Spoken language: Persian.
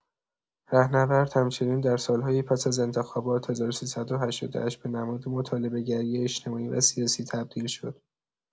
رهنورد همچنین در سال‌های پس از انتخابات ۱۳۸۸ به نماد مطالبه‌گری اجتماعی و سیاسی تبدیل شد.